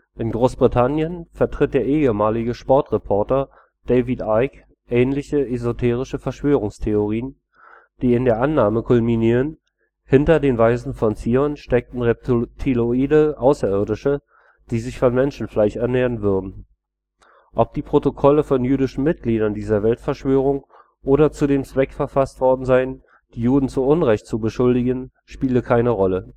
In Großbritannien vertritt der ehemalige Sportreporter David Icke ähnliche esoterische Verschwörungstheorien, die in der Annahme kulminieren, hinter den „ Weisen von Zion “steckten reptiloide Außerirdische, die sich von Menschenfleisch ernähren würden. Ob die Protokolle von jüdischen Mitgliedern dieser Weltverschwörung oder zu dem Zweck verfasst worden seien, die Juden zu Unrecht zu beschuldigen, spiele keine Rolle